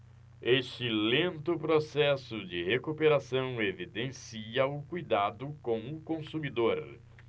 este lento processo de recuperação evidencia o cuidado com o consumidor